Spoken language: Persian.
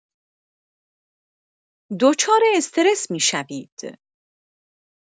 دچار استرس می‌شوید.